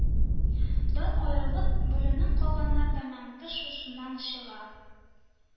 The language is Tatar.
Дан аерылып, бүленеп калганнар да мәңге шушыннан чыга